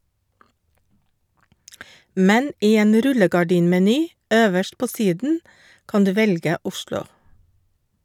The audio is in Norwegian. Men i en rullegardinmeny øverst på siden kan du velge Oslo.